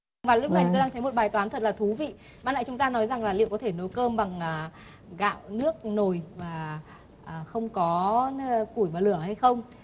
và lúc này tôi đang thấy một bài toán thật là thú vị ban nãy chúng ta nói rằng là liệu có thể nấu cơm bằng à gạo nước nồi và không có củi và lửa hay không